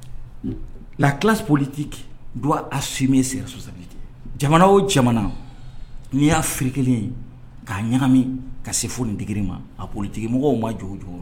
La classe politique doit assumer ses responsabilités jamana o jamana n'i y'a ferekelen ye k'a ɲagami fɔ ka se fɔnin degrée, _ politigimɔgw ma jɔ u jɔyɔrɔ la